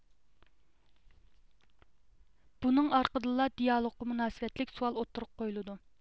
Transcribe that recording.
بۇنىڭ ئارقىدىنلا دىئالوگقا مۇناسىۋەتلىك سوئال ئوتتۇرىغا قويۇلىدۇ